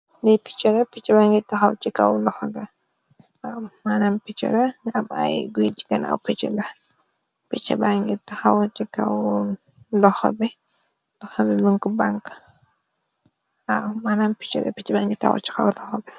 Li picha la picha bagi tahaw si loxo ga am manam pichla mo am ay goi si kanaw picha ga picha bagi tahaw si kaw loxo bi loxo bi loxo nyun ko banka manam picha la picha bagi tahaw si kaw loxox gi.